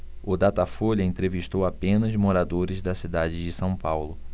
o datafolha entrevistou apenas moradores da cidade de são paulo